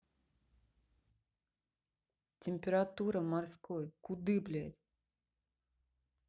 температура морской куды блядь